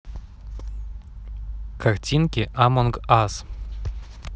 картинки амонг ас